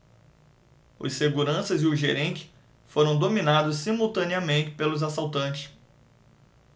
os seguranças e o gerente foram dominados simultaneamente pelos assaltantes